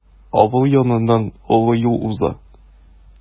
Авыл яныннан олы юл уза.